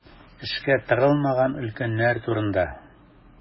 Эшкә тыгылмаган өлкәннәр турында.